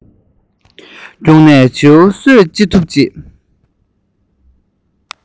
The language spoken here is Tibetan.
བརྒྱུགས ནས བྱིའུ གསོད ཅི ཐུབ བྱེད